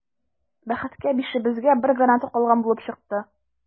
Бәхеткә, бишебезгә бер граната калган булып чыкты.